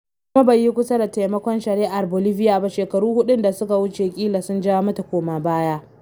Kuma bai yi kusa da taimakon shari’ar ta Bolivia ba, shekaru huɗun da suka wuce kila sun jawo mata koma baya.